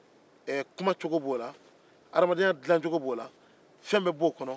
kuma cogo ni adamadenya dilacogo b'o la